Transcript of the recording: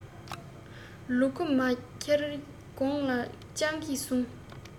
ལུ གུ མ འཁྱེར གོང ལ སྤྱང ཀི སྲུངས